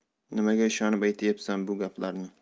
nimaga ishonib aytyapsan bu gaplarni